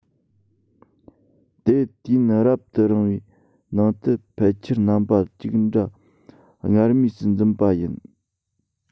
དེ དུས ཡུན རབ ཏུ རིང བའི ནང དུ ཕལ ཆེར རྣམ པ གཅིག འདྲ སྔར མུས སུ འཛིན པ ཡིན